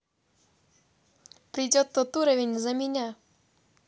придет тот уровень за меня